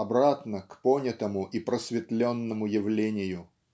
обратно к понятому и просветленному явлению